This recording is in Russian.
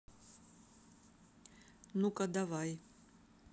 ну ка давай